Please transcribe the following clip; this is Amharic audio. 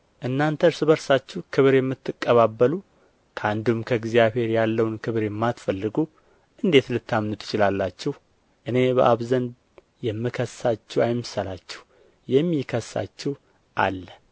እናንተ እርስ በርሳችሁ ክብር የምትቀባበሉ ከአንዱም ከእግዚአብሔር ያለውን ክብር የማትፈልጉ እንዴት ልታምኑ ትችላላችሁ እኔ በአብ ዘንድ የምከሳችሁ አይምሰላችሁ የሚከሳችሁ አለ